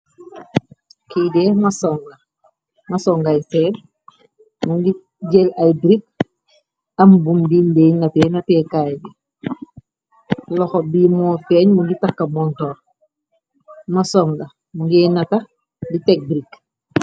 Kiydee masong masong ay feer mu ngi jël ay brik am bum bi ndeey natee nateekaay bi loxo bi moo feeñ mu ngi takka montor masonga mu ngi nata di tek brik.